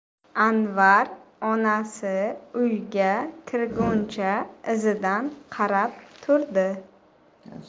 anvar onasi uyga kirguncha izidan qarab turdi